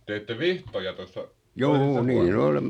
teette vihtoja tuossa toisessa huoneessa